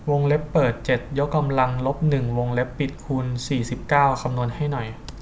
วงเล็บเปิดเจ็ดยกกำลังลบหนึ่งวงเล็บปิดคูณสี่สิบเก้าคำนวณให้หน่อย